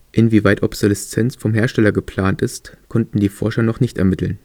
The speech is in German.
Inwieweit Obsoleszenz vom Hersteller geplant ist, konnten die Forscher noch nicht ermitteln